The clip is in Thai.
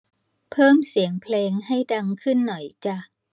เพิ่มเสียงเพลงให้ดังขึ้นหน่อยจ้ะ